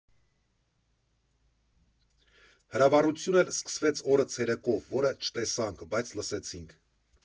Հրավառություն էլ սկսեց օրը ցերեկով, որը չտեսանք, բայց լսեցինք։